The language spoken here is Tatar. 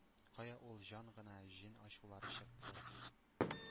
Кая ул җан гына, җен ачулары чыкты.